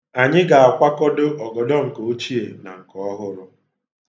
Anyị ga-akwakọdo ogodo nke ochie na nke ọhụrụ.